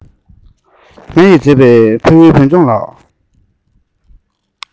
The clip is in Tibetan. ང ཡི མཛེས པའི ཕ ཡུལ བོད ལྗོངས ལགས